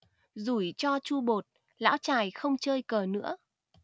rủi cho chu bột lão chài không chơi cờ nữa